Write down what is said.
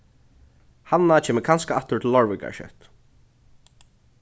hanna kemur kanska aftur til leirvíkar skjótt